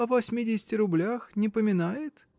о восьмидесяти рублях не поминает?